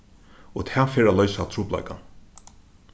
og tað fer at loysa trupulleikan